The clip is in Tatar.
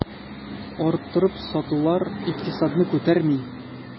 Арттырып сатулар икътисадны күтәрми.